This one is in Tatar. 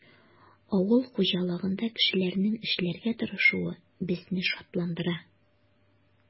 Авыл хуҗалыгында кешеләрнең эшләргә тырышуы безне шатландыра.